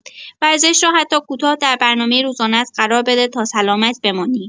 ورزش را حتی کوتاه در برنامه روزانه‌ات قرار بده تا سلامت بمانی.